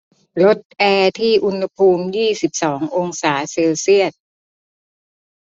ลดแอร์ที่อุณหภูมิยี่สิบสององศาเซลเซียส